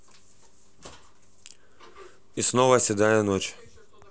и снова седая ночь